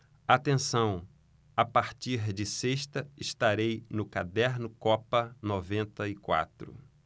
atenção a partir de sexta estarei no caderno copa noventa e quatro